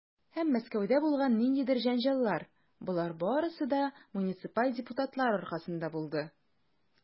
Һәм Мәскәүдә булган ниндидер җәнҗаллар, - болар барысы да муниципаль депутатлар аркасында булды.